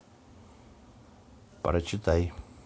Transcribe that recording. прочитай